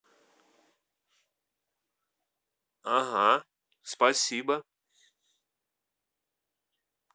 ага спасибо